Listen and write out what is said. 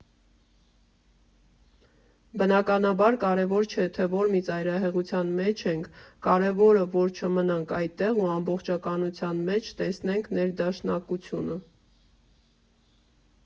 Բնականաբար, կարևոր չէ, թե որ մի ծայրահեղության մեջ ենք, կարևորը, որ չմնանք այդտեղ ու ամբողջականության մեջ տեսնենք ներդաշնակությունը։